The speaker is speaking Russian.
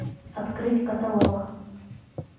открыть каталог